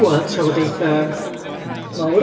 Wel trafodaethau mawr.